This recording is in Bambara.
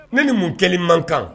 Ne ni mun kɛlen man kan